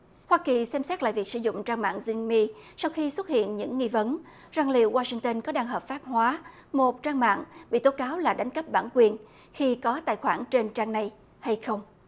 hoa kỳ xem xét lại việc sử dụng trang mạng dinh my sau khi xuất hiện những nghi vấn rằng liệu wa shinh tơn có đang hợp pháp hóa một trang mạng bị tố cáo là đánh cắp bản quyền khi có tài khoản trên trang này hay không